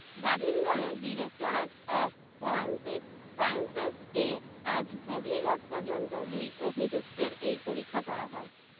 গাঁধীনগরের directorate of forensic sciences এ আজ গভীর রাত পর্যন্ত দুই অভি্যুক্তের এই পরীক্ষা করা হয়